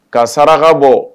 Ka saraka bɔ